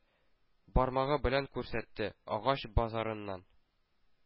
Бармагы белән күрсәтте,- агач базарыннан